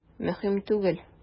Мөһим түгел.